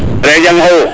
re jam xewu